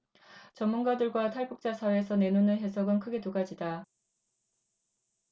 전문가들과 탈북자 사회에서 내놓는 해석은 크게 두 가지다